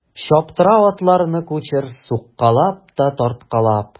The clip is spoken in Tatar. Чаптыра атларны кучер суккалап та тарткалап.